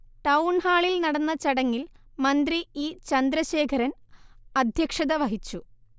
ടൗൺഹാളിൽ നടന്ന ചടങ്ങിൽ മന്ത്രി ഇചന്ദ്രശേഖരൻ അധ്യക്ഷതവഹിച്ചു